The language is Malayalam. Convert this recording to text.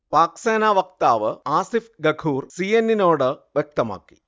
പാക്ക് സേന വക്താവ് ആസിഫ് ഗഘൂർ സി. എൻ. എന്നിനോട് വ്യക്തമാക്കി